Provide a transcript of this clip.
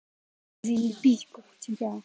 да заебись как у тебя